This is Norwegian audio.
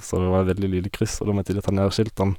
Så det var et veldig lite kryss, og da måtte de ta ned skiltene.